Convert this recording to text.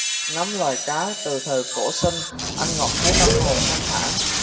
ngắm loài cá từ thời cổ sinh anh ngọc thấy tâm hồn thanh thản